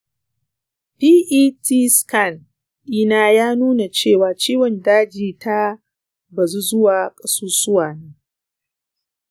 pet scan dina ya nuna cewa ciwon daji ta bazu zuwa ƙasusuwana.